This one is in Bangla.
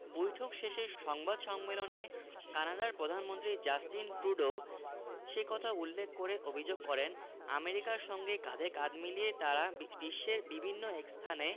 বৈঠক শেষে সংবাদ সম্মেলনে কানাডার প্রধানমন্ত্রী জাস্টিন ট্রুডো সে কথা উল্লেখ করে অভিযোগ করেন আমেরিকার সঙ্গে কাঁধে কাঁধ মিলিয়ে তারা বিশ্বের বিভিন্ন স্থানে